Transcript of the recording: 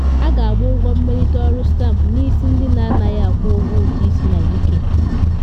A ga-agba ụgwọ mwelite ọrụ stampụ n’isi ndị na anaghị akwụ ụgwọ ụtụ isi na UK